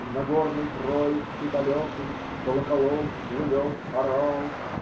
С Нагорной Троицы далекой Колоколов плывет хорал.